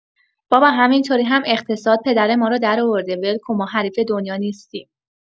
بابا همین طوری هم اقتصاد پدر ما رو درآورده ول‌کن ما حریف دنیا نیستیم.